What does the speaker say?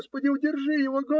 Господи, удержи его!